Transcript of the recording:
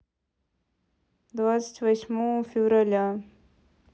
двадцать восьмого февраля